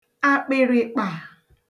àkpị̀rị̀kpà